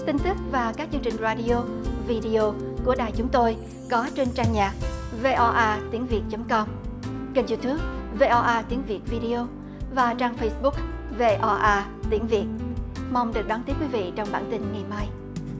tin tức và các chương trình ra đi ô vi đê ô của đài chúng tôi có trên trang nhạc vê o a tiếng việt chấm com kênh iu tút vê o a tiếng việt vi đê ô và trang phây búc vê o a tiếng việt mong được đón tiếp vui vẻ trong bản tin ngày mai